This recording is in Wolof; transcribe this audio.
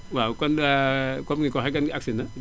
waaw comme comme ni nga ko waxee gan gi agsi na